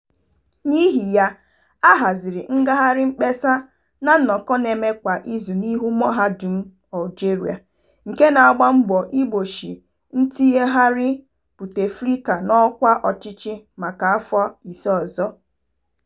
N'ihi ya, a haziri ngagharị mkpesa na nnọkọ na-eme kwa izu n'ihu mahadum Algeria nke na-agba mbọ igbochi ntinyegharị Bouteflika n'ọkwá ọchịchị maka afọ 5 ọzọ.